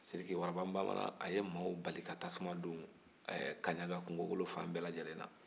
sidiki warabanbaman ye mɔgɔw bali ka tasuma don ɛɛ kaɲaka kungokolo fanbɛɛ lajɛlen na